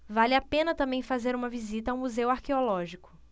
vale a pena também fazer uma visita ao museu arqueológico